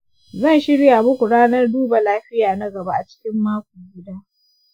zan shirya muku ranar duba lafiya na gaba a cikin mako guda